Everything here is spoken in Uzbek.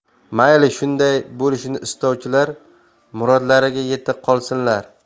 mayli shunday bo'lishni istovchilar murodlariga yeta qolsinlar